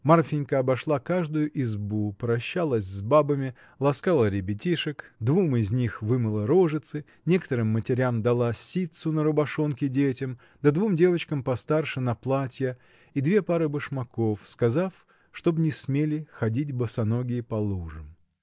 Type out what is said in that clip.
Марфинька обошла каждую избу, прощалась с бабами, ласкала ребятишек, двум из них вымыла рожицы, некоторым матерям дала ситцу на рубашонки детям да двум девочкам постарше на платья и две пары башмаков, сказав, чтоб не смели ходить босоногие по лужам.